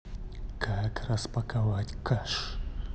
как распаковать кеш